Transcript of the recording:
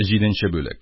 Җиденче бүлек